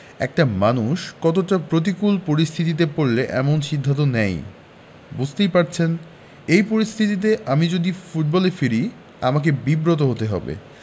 একটা মানুষ কতটা প্রতিকূল পরিস্থিতিতে পড়লে এমন সিদ্ধান্ত নেয় বুঝতেই পারছেন এই পরিস্থিতিতে আমি যদি ফুটবলে ফিরি আমাকে বিব্রত হতে হবে